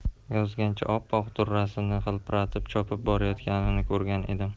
yozgancha oppoq durrasini hilpiratib chopib borayotganini ko'rdim